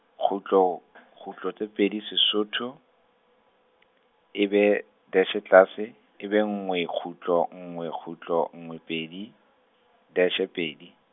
kgutlo, kgutlo tse pedi Sesotho, ebe deshe tlase, ebe nngwe kgutlo nngwe kgutlo nngwe pedi, deshe pedi.